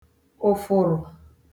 ụ̀fụ̀rụ̀